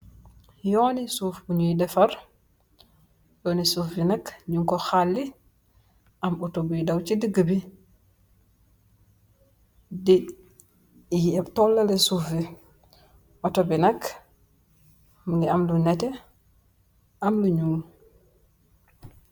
yooni suuf buñuy defar yooni suuf bi nakk ñun ko xalli am auto bi daw ci dëgg bi y b tollale suufi autobi nakk mni amlu nete am luñu.